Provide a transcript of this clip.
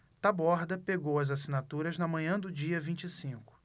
taborda pegou as assinaturas na manhã do dia vinte e cinco